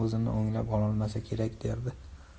o'zini o'nglab ololmasa kerak derdi